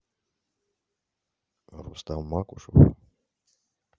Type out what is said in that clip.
рустам макушев